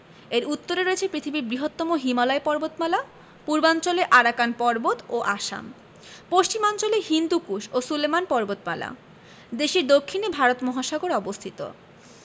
এর উত্তরে রয়েছে পৃথিবীর বৃহত্তম হিমালয় পর্বতমালা পূর্বাঞ্চলে আরাকান পর্বত ও আসাম পশ্চিমাঞ্চলে হিন্দুকুশ ও সুলেমান পর্বতমালাদেশের দক্ষিণে ভারত মহাসাগর অবস্থিত